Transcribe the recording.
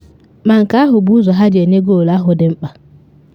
Ma nke ahụ bụ ụzọ ha ji nye goolu ahụ dị mkpa.